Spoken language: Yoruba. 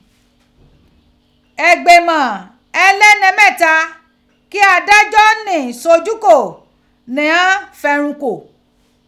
Ìgbìmọ̀ ẹlẹ́ni mẹ́tà ki adájọ́ ni sojú ko ni ghan fẹrun kò.